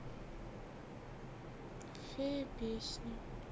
фея песня